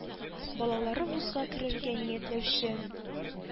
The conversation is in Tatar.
Балалары вузга керергә ниятләүче